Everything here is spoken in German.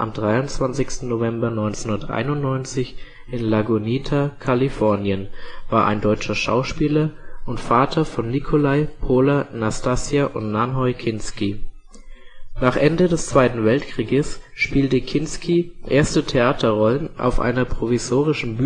23. November 1991 in Lagunita, Kalifornien) war ein deutscher Schauspieler und Vater von Nikolai, Pola, Nastassja und Nanhoi Kinski. Nach Ende des Zweiten Weltkrieges spielte Kinski erste Theaterrollen auf einer provisorischen